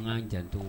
An' janto